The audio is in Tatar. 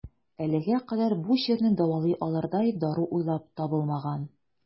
Әлегә кадәр бу чирне дәвалый алырдай дару уйлап табылмаган.